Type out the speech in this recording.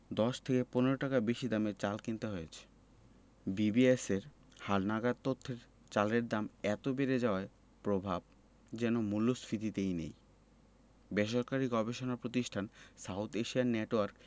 ১০ থেকে ১৫ টাকা বেশি দামে চাল কিনতে হয়েছে বিবিএসের হালনাগাদ তথ্যে চালের দাম এত বেড়ে যাওয়ার প্রভাব যেন মূল্যস্ফীতিতে নেই বেসরকারি গবেষণা প্রতিষ্ঠান সাউথ এশিয়ান নেটওয়ার্ক